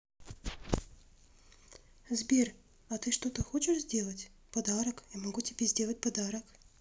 сбер а ты что то хочешь сделать подарок я могу тебе сделать подарок